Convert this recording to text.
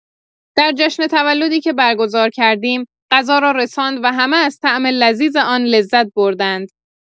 در جشن تولدی که برگزار کردیم، غذا را رساند و همه از طعم لذیذ آن لذت بردند.